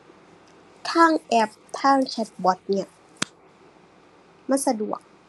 ทางแอป ทางแชตบอตเนี่ย มันสะดวก